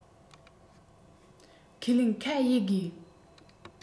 ཁས ལེན ཁ དབྱེ དགོས